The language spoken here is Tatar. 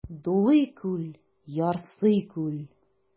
Дулый күл, ярсый күл.